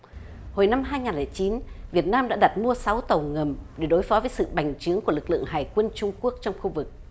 hồi năm hai nghìn lẻ chín việt nam đã đặt mua sáu tàu ngầm để đối phó với sự bành trướng của lực lượng hải quân trung quốc trong khu vực